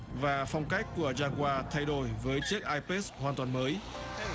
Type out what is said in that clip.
và phong cách của gia goa thay đổi với chiếc ai pết hoàn toàn mới